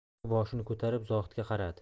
u boshini ko'tarib zohidga qaradi